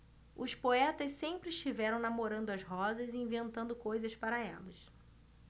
os poetas sempre estiveram namorando as rosas e inventando coisas para elas